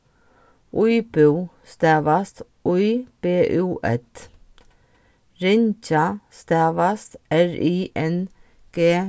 íbúð stavast í b ú ð ringja stavast r i n g